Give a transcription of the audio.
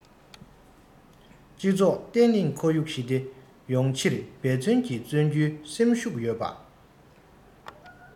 སྤྱི ཚོགས བརྟན ལྷིང ཁོར ཡུག ཞི བདེ ཡོང ཕྱིར འབད ཅིང བརྩོན རྒྱུའི སེམས ཤུགས ཡོད པ